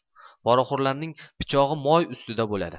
poraxo'rlarni pichog'i moy ustida bo'ladi